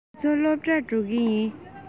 ང ཚོ སློབ གྲྭར འགྲོ གི ཡིན